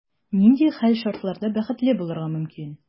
Нинди хәл-шартларда бәхетле булырга мөмкин?